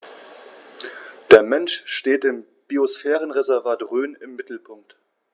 Der Mensch steht im Biosphärenreservat Rhön im Mittelpunkt.